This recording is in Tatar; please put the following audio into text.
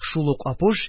Шул ук Апуш: